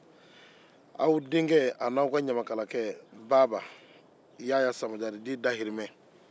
aw denkɛ n'a' ka ɲamakalakɛ baaba